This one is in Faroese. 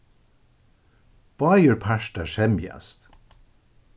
báðir partar semjast